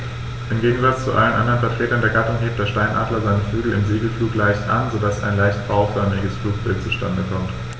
Im Gegensatz zu allen anderen Vertretern der Gattung hebt der Steinadler seine Flügel im Segelflug leicht an, so dass ein leicht V-förmiges Flugbild zustande kommt.